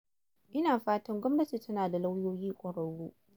Ina fatan gwamnati tana da lauyoyi ƙwararru.